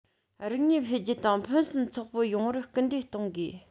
རིག གནས འཕེལ རྒྱས དང ཕུན སུམ ཚོགས པོ ཡོང བར སྐུལ འདེད གཏོང དགོས